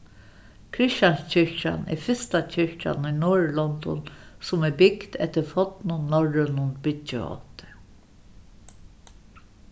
christianskirkjan er fyrsta kirkjan í norðurlondum sum er bygd eftir fornum norrønum byggihátti